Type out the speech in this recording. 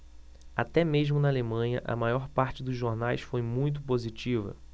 até mesmo na alemanha a maior parte dos jornais foi muito positiva